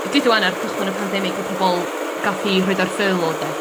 d'ud ŵan ar cychwyn y pandemic y pobol galh 'u rhoid ar ffyrlo 'de?